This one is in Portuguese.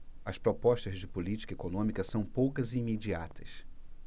as propostas de política econômica são poucas e imediatas